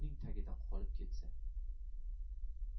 uning tagida qolib o'lsa